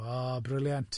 O, brilliant.